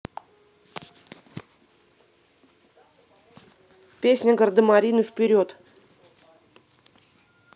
песня гардемарины вперед